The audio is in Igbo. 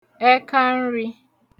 ẹkanrī